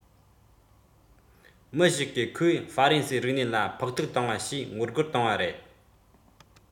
མི ཞིག གིས ཁོས ཧྥ རན སིའི རིག གནས ལ ཕོག ཐུག བཏང བ ཞེས ངོ རྒོལ བཏང བ རེད